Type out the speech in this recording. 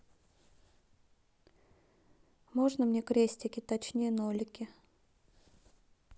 можно мне крестики точнее нолики